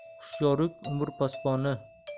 hushyoruk umr posboni